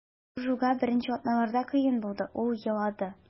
Доржуга беренче атналарда кыен булды, ул елады.